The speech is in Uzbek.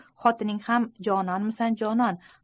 xotining ham jononmisan jonon